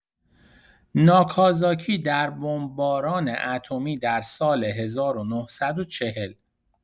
ناکازاکی در بمباران اتمی در سال ۱۹۴۰